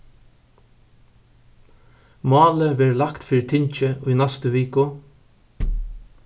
málið verður lagt fyri tingið í næstu viku